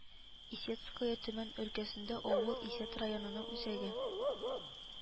Исетское Төмән өлкәсендә авыл, Исәт районының үзәге